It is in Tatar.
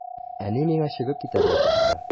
Әни миңа чыгып китәргә кушты.